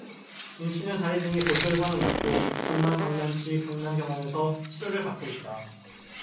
윤씨는 다리 등에 골절상을 입고 전남 광양시 강남병원에서 치료를 받고 있다